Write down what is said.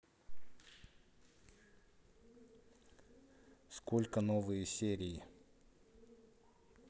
сколько новые серии